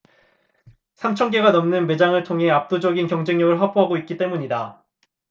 삼천 개가 넘는 매장을 통해 압도적인 경쟁력을 확보하고 있기 때문이다